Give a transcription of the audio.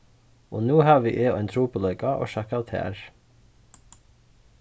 og nú havi eg ein trupulleika orsakað av tær